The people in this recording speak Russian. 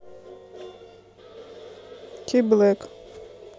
ти блэк